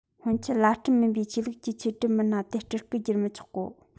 སྔོན ཆད བླ སྤྲུལ མིན པའི ཆོས ལུགས ཀྱི ཆོས སྒྲུབ མི སྣ དེ སྤྲུལ སྐུར བསྒྱུར མི ཆོག གོ